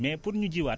mais pour ñu jiwaat